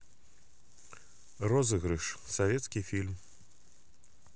розыгрыш советский фильм